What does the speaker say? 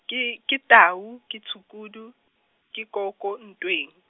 ke, ke tau, ke tshukudu, ke koko ntweng.